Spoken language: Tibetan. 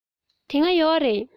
དེ སྔ ཡོད རེད